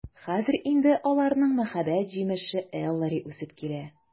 Хәзер инде аларның мәхәббәт җимеше Эллари үсеп килә.